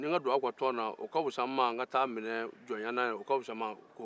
n ka don aw ka tɔn na o ka fisa n ma n kataa ke jɔn ye dɔ fɛ